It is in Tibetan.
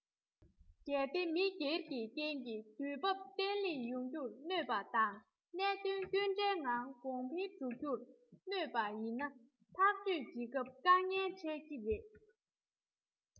གལ ཏེ མི སྒེར གྱི རྐྱེན གྱིས དུས བབ བརྟན ལྷིང ཡོང རྒྱུར གནོད པ དང གནད དོན སྐྱོན བྲལ ངང གོང འཕེལ འགྲོ རྒྱུར གནོད པ ཡིན ན ཐག གཅོད བྱེད སྐབས དཀའ ངལ འཕྲད ཀྱི རེད